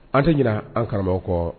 An tɛ ɲinɛ an karamɔgɔ kɔ